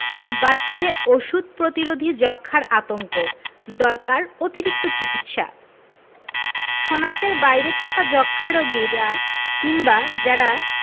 বাড়ছে ওষুধ প্রতিরোধী যক্ষ্মার আতঙ্ক দরকার অতিরিক্ত চিকিৎসা শনাক্তের বাইরে থাকা যক্ষ্মা রোগীরা কিংবা যারা